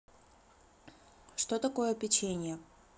что такое печенье